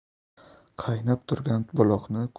qaynab turgan buloqni